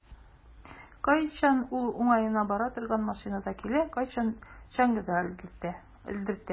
Кайчан юл уңаена бара торган машинада килә, кайчан чаңгыда элдертә.